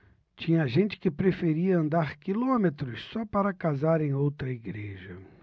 tinha gente que preferia andar quilômetros só para casar em outra igreja